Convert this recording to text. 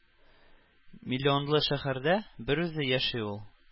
Миллионлы шәһәрдә берүзе яши ул.